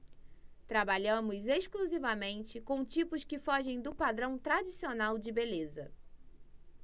trabalhamos exclusivamente com tipos que fogem do padrão tradicional de beleza